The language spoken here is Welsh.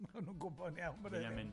Ma' nw'n gwbod yn iawn bod